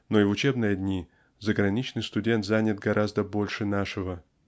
Но и в учебные дни заграничный студент занят гораздо больше нашего.